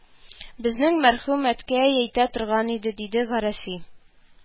– безнең мәрхүм әткәй әйтә торган иде, – диде гарәфи